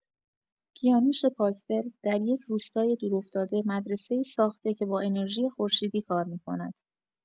کیانوش پاکدل، در یک روستای دورافتاده مدرسه‌ای ساخته که با انرژی خورشیدی کار می‌کند.